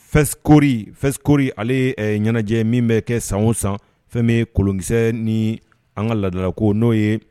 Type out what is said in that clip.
Fescorie . ale ye ɲɛnajɛ ye min bɛ kɛ san o san fɛn min ye kolonkisɛ ni an ka ladala ko no ye